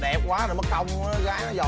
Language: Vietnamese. đẹp quá rồi mất công gái nó dòm